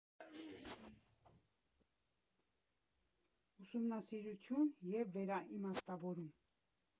Ուսումնասիրություն և վերաիմաստավորում։